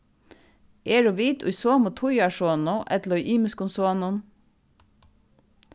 eru vit í somu tíðarsonu ella í ymiskum sonum